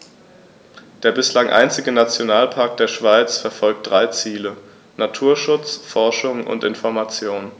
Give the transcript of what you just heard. Der bislang einzige Nationalpark der Schweiz verfolgt drei Ziele: Naturschutz, Forschung und Information.